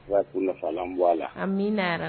Ba bɔ la an minyara